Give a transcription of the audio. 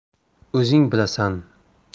o'zing bilasan